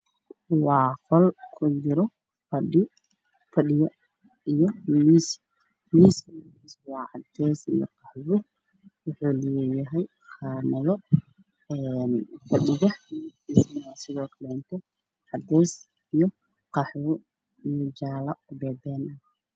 Meeshan waa fadhi qol ah la fadhi midabkiisu yahay caddays darbiga waa caddaan daaqada ayuu leeyahay